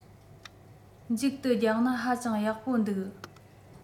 མཇུག ཏུ རྒྱག ན ཧ ཅང ཡག པོ འདུག